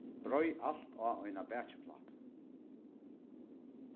breið alt á eina bakiplátu